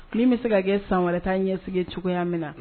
Min bɛ se ka kɛ san wɛrɛ tan ɲɛsigi cogoya min na